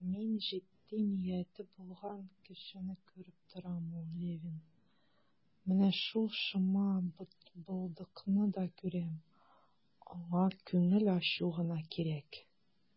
Мин җитди нияте булган кешене күреп торам, ул Левин; менә шул шома бытбылдыкны да күрәм, аңа күңел ачу гына кирәк.